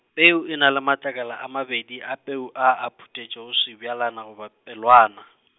peu e na le matlakala a mabedi a peu a a phuthetšego sebjalwana goba pelwana.